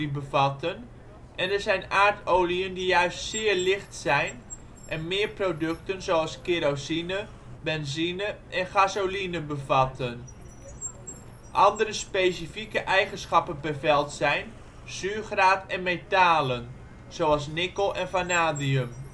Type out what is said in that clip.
bevatten en er zijn aardoliën die juist zeer licht zijn en meer producten zoals kerosine, benzine en gasoline bevatten. Andere specifieke eigenschappen per veld zijn: Zuurgraad en metalen (zoals nikkel en vanadium